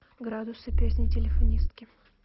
градусы песня телефонистки